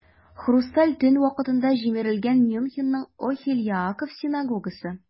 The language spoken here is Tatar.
"хрусталь төн" вакытында җимерелгән мюнхенның "охель яаков" синагогасы.